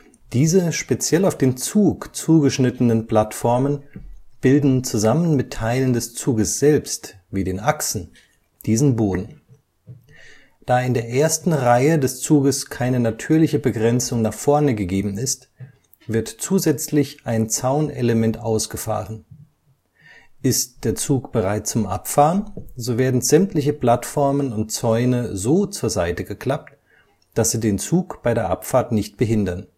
Diese speziell auf den Zug zugeschnittenen Plattformen bilden zusammen mit Teilen des Zuges selbst wie den Achsen diesen Boden. Da in der ersten Reihe des Zuges keine natürliche Begrenzung nach vorne gegeben ist, wird zusätzlich ein Zaunelement ausgefahren. Ist der Zug bereit zum Abfahren, so werden sämtliche Plattformen und Zäune so zur Seite geklappt, dass sie den Zug bei der Abfahrt nicht behindern